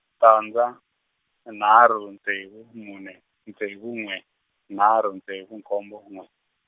tandza, nharhu ntsevu mune, ntsevu n'we, nharhu ntsevu nkombo n'we.